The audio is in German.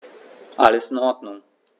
Alles in Ordnung.